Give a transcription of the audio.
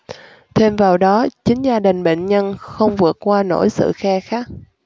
thêm vào đó chính gia đình bệnh nhân không vượt qua nổi sự khe khắt